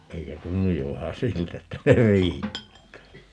eikö tunnu jo vähän siltä että se riittää